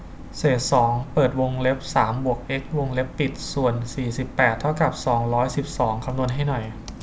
เศษสองเปิดวงเล็บสามบวกเอ็กซ์วงเล็บปิดส่วนสี่สิบแปดเท่ากับสองร้อยสิบสองคำนวณให้หน่อย